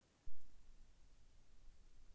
александрийский театр